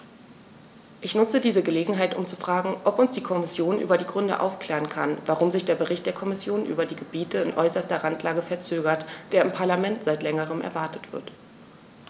Ich nutze diese Gelegenheit, um zu fragen, ob uns die Kommission über die Gründe aufklären kann, warum sich der Bericht der Kommission über die Gebiete in äußerster Randlage verzögert, der im Parlament seit längerem erwartet wird.